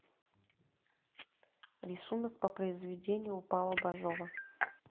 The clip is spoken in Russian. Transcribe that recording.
рисунок по произведению у павла бажова